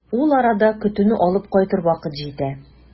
Ул арада көтүне алып кайтыр вакыт җитә.